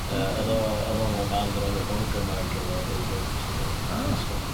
Yy o'dd o o'dd o mewn band o'r enw Bongo Mag efo David Foulkes o'r blaen. O! Yn ysgol.